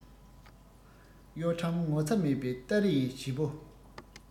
གཡོ ཁྲམ ངོ ཚ མེད པའི སྟ རེ ཡི བྱེད པོ